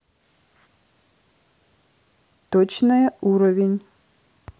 точное уровень